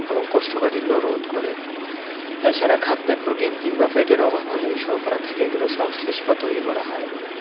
এবং কোষ্ঠকাঠিন্য রোধ করে এছাড়া খাদ্যে প্রোটিন কিংবা ফ্যাটের অভাব হলে শর্করা থেকে এগুলো সংশ্লেষ বা তৈরী করা হয়